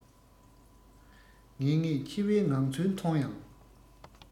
ངེས ངེས འཆི བའི ངང ཚུལ མཐོང ཡང